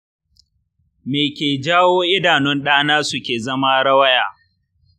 me ke jawo idanun ɗana suke zama rawaya?